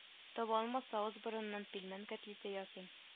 Таба алмаса авыз-борыныннан пилмән кәтлите ясыйм